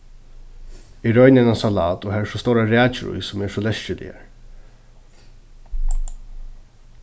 eg royni eina salat og har eru so stórar rækjur í sum eru so leskiligar